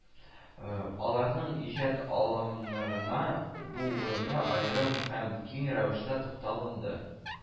Аларның иҗат алымнарына бу урында аерым һәм киң рәвештә тукталынды